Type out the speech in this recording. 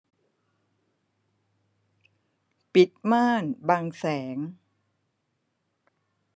ปิดม่านบังแสง